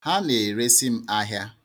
Ha na-eresi m ahia.